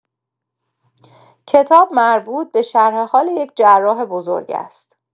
کتاب مربوط به شرح‌حال یک جراح بزرگ است.